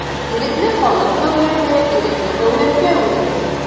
Ирекле халык дәүләте ирекле дәүләткә әверелде.